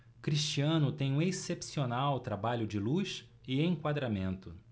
cristiano tem um excepcional trabalho de luz e enquadramento